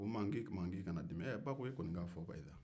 a ko maa i kana dimi ba ko e kɔni k'a fɔ bani